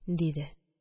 Диде